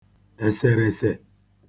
èsèrèsè